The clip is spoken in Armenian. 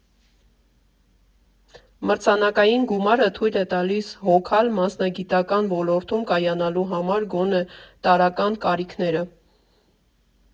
Մրցանակային գումարը թույլ է տալիս հոգալ մասնագիտական ոլորտում կայանալու համար գոնե տարրական կարիքները։